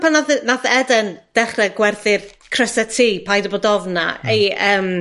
pan nath yy nath Eden dechre gwerthu'r crysa tî paid â bod ofn 'na eu yym